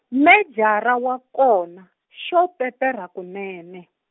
Mejara wa kona xo peperha kunene.